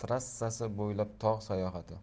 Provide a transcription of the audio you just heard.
trassasi bo'ylab tog' sayohati